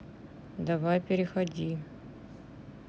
давай переходи